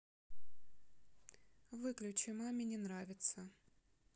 выключи маме не нравится